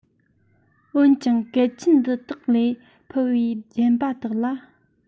འོན ཀྱང གལ ཆེན འདི དག ལས ཕུད པའི གཞན པ དག ལ